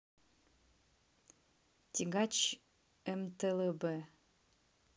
тягач мтлб